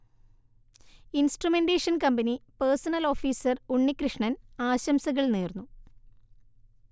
instrumentation company personnel officer Unnikrishnan ആശംസകൾ നേർന്നു